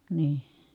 niin